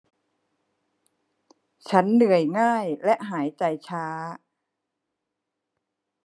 ฉันเหนื่อยง่ายและหายใจช้า